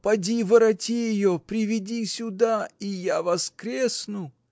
Поди, вороти ее, приведи сюда — и я воскресну!.